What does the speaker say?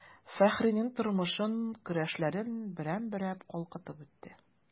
Фәхринең тормышын, көрәшләрен берәм-берәм калкытып үтте.